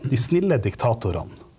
de snille diktatorene.